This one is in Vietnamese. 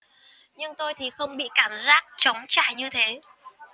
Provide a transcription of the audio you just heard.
nhưng tôi thì không bị cảm giác trống trải như thế